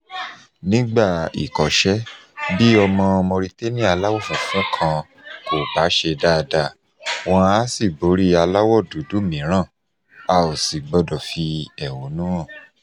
Nígbà ìkọ́ṣẹ́, bí ọmọ Mauritania aláwọ̀ funfun kan kò bá ṣe dáadáa, wọn á ṣì borí aláwọ̀ dúdú mìíràn. A ò sì gbọdọ̀ fi ẹhónú hàn…